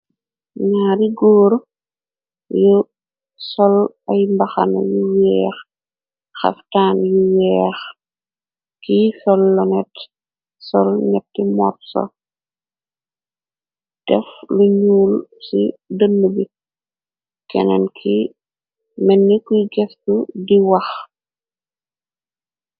naari goor yu sol ay mbaxana yu yeex xaftaan yu yeex ki sollonet sol netti morso def lu ñuul ci dën bi keneen ki menni kuy gestu di wax